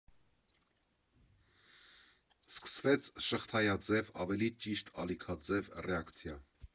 Սկսվեց շղթայաձև, ավելի ճիշտ՝ ալիքաձև ռեակցիա.